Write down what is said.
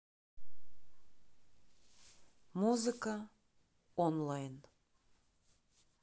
музыка онлайн